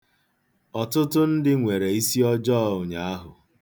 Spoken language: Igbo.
Ọtụtụ ndị nwere isiọjọọ ụnyaahụ.